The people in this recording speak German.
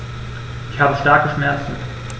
Ich habe starke Schmerzen.